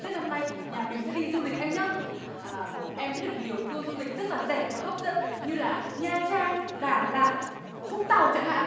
tết năm nay nhà mình sẽ đi du lịch anh nhá ờ em biết được nhiều tua du lịch rất là rẻ và hấp dẫn như là nha trang đà lạt vũng tàu chẳng hạn